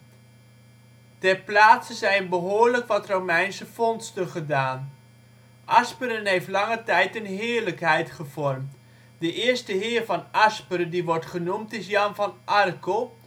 plaatse zijn behoorlijk wat Romeinse vondsten gedaan. Asperen heeft lange tijd een heerlijkheid gevormd. De eerste heer van Asperen die wordt genoemd is Jan van Arkel